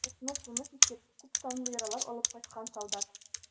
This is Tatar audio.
Утны-суны кичеп, күпсанлы яралар алып кайткан солдат.